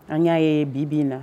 An y'a ye bi bin na